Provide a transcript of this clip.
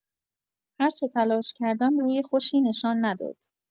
هر چه تلاش کردم، روی خوشی نشان نداد.